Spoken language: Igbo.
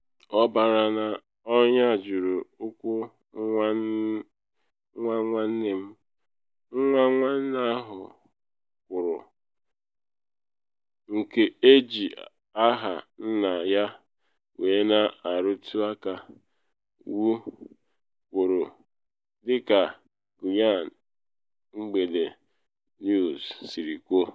“Ọbara na ọnya juru ụkwụ nwa nwanne m,” nwa nwanne ahụ kwuru, nke eji aha nna ya wee na arụtụ aka “Wu,” kwuru, dị ka Guiyan Evening News siri kwuo.